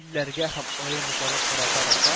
"илләргә һәм аерым затларга карата раса,